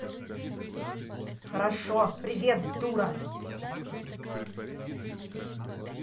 хорошо привет дура